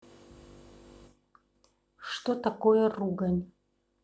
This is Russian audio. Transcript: что такое ругань